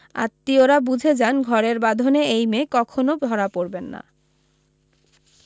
আত্মীয়রা বুঝে যান ঘরের বাঁধনে এই মেয়ে কখনো ধরা পড়বেন না